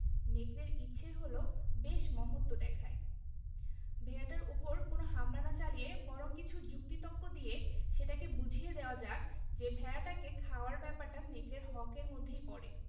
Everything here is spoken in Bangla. নেকড়ের ইচ্ছে হল বেশ মহত্ব দেখায় ভেড়াটার উপর কোন হামলা না চালিয়ে বরং কিছু যুক্তি তক্ক দিয়ে সেটাকে বুঝিয়ে দেওয়া যাক যে ভেড়াটাকে খাওয়ার ব্যাপারটা নেকড়ের হক এর মধ্যেই পড়ে